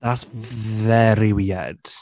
That's very weird.